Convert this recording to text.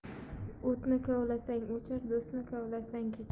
o'tni kovlasang o'char do'stni kavlasang kechar